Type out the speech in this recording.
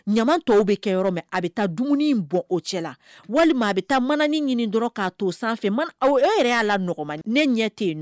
Ɲama tɔw bɛ kɛ yɔrɔ min a bɛ taa dumuni in bɔ o cɛ la walima a bɛ taa manaani ɲini dɔrɔn k'a to sanfɛ mana e yɛrɛ y'a la ma ne ɲɛ tɛ yen